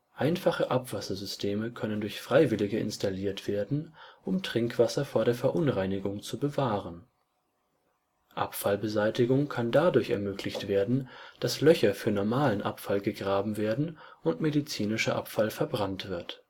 Einfache Abwassersysteme können durch Freiwillige installiert werden, um Trinkwasser vor der Verunreinigung zu bewahren. Abfallbeseitigung kann dadurch ermöglicht werden, dass Löcher für normalen Abfall gegraben werden und medizinischer Abfall verbrannt wird